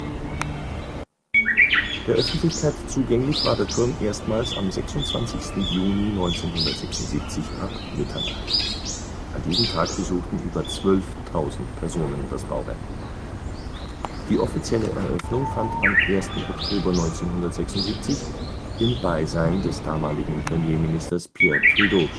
Der Öffentlichkeit zugänglich war der Turm erstmals am 26. Juni 1976 ab Mitternacht; an diesem Tag besuchten über 12.000 Personen das Bauwerk. Die offizielle Eröffnung fand am 1. Oktober 1976 im Beisein des damaligen Premierministers Pierre Trudeau